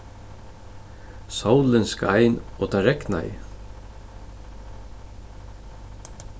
sólin skein og tað regnaði